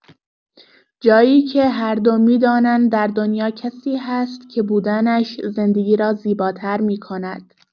جایی که هر دو می‌دانند در دنیا کسی هست که بودنش زندگی را زیباتر می‌کند.